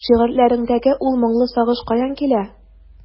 Шигырьләреңдәге ул моңлы сагыш каян килә?